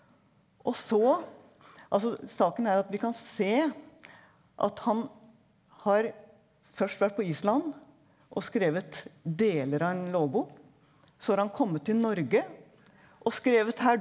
og så altså saken er at vi kan se at han har først vært på Island og skrevet deler av en lovbok, så har han kommet til Norge og skrevet her.